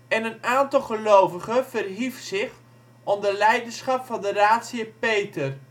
En een aantal gelovigen verhief zich onder leiderschap van de raadsheer Peter